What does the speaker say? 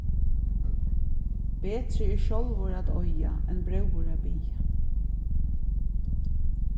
betri er sjálvur at eiga enn bróður at biðja